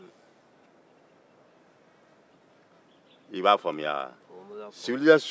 i b'a faamuya wa